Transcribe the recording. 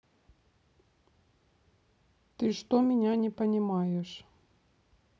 ты что меня не понимаешь